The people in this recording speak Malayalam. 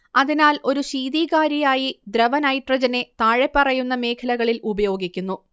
അതിനാൽ ഒരു ശീതീകാരിയായി ദ്രവനൈട്രജനെ താഴെപ്പറയുന്ന മേഖലകളിൽ ഉപയോഗിക്കുന്നു